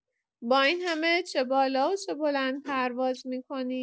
با این همه، چه بالا و چه بلندپرواز می‌کنی!